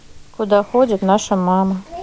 куда ходит наша мама